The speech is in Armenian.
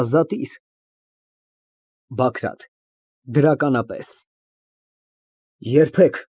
ԲԱԳՐԱՏ ֊ (Դրականապես) Երբեք։